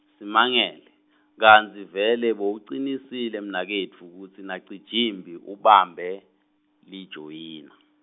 simangele kantsi vele bowucinisile mnaketfu kutsi naCijimphi ubambe lijoyina?